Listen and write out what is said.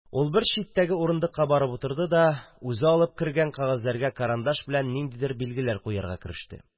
Ул бер читтәге урындыкка барып утырды да, үзе алып кергән кәгазьләргә карандаш белән ниндидер билгеләр куярга кереште.